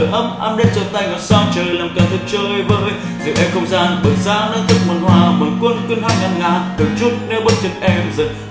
ấm ấm áp đến trao tay ngàn sao trời lòng càng thêm chơi vơi dịu êm không gian bừng sáng đánh thức muôn hoa mừng quấn quít hát ngân nga từng chút níu bước chân em dừng